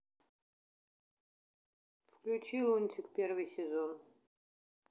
включи лунтик первый сезон